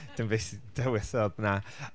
Dim fi sy dewisodd 'na.